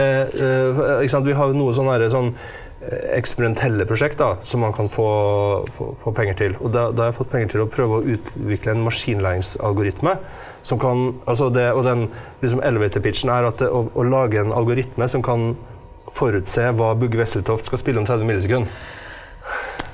e ikke sant vi har jo noe sånn derre sånn eksperimentelle prosjekt da som man kan få få få penger til, og da da har jeg fått penger til å prøve å utvikle en maskinlæringsalgoritme som kan altså det og den liksom er at å å lage en algoritme som kan forutse hva Bugge Wesseltoft skal spille om 30 millisekund.